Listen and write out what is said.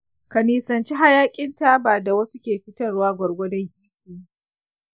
ka nisanci hayaƙin taba da wasu ke fitarwa gwargwadon iko.